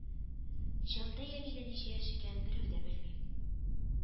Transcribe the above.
Җантай әбигә ничә яшь икәнен берәү дә белми